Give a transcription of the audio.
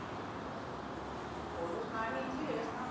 буду с нами интересно